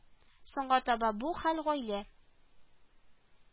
Соңга таба бу хәл гаилә